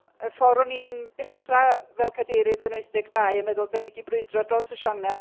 y ffor' o'n i'n dechrau fel cadeirydd yn wyth deg dau yn meddwl dan ni 'di brwydro dros y Sianel,